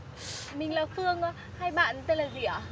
mình là phương hai bạn tên là gì ạ